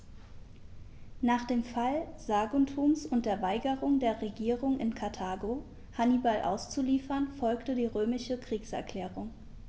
Nach dem Fall Saguntums und der Weigerung der Regierung in Karthago, Hannibal auszuliefern, folgte die römische Kriegserklärung.